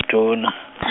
dvuna .